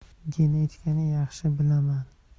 genetikani yaxshi bilaman